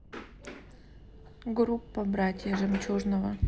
группа братья жемчужного